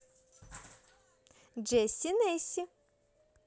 джесси нэсси